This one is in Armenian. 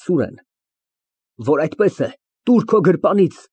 ՍՈՒՐԵՆ ֊ Որ այդպես է, տուր քո գրպանից։